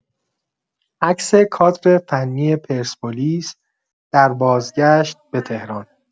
عکس کادرفنی پرسپولیس در بازگشت به تهران